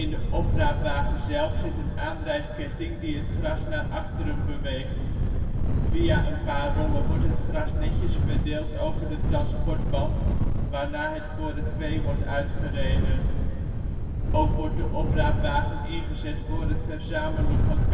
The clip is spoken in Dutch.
de opraapwagen zelf zit een aandrijfkettig die het gras naar achteren beweegt. Via een paar rollen wordt het gras netjes verdeeld over de transportband, waarna het voor het vee wordt uitgereden. Ook wordt de opraapwagen ingezet voor het verzamelen van